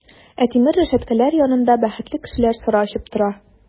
Ә тимер рәшәткәләр янында бәхетле кешеләр сыра эчеп тора!